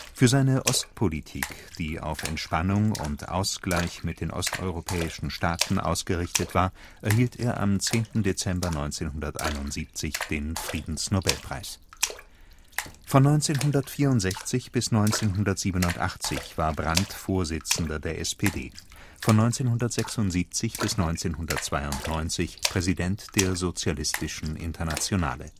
Für seine Ostpolitik, die auf Entspannung und Ausgleich mit den osteuropäischen Staaten ausgerichtet war, erhielt er am 10. Dezember 1971 den Friedensnobelpreis. Von 1964 bis 1987 war Brandt Vorsitzender der SPD, von 1976 bis 1992 Präsident der Sozialistischen Internationale